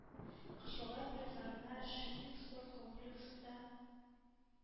Кыш бабай призларына «Шинник» спорт комплексында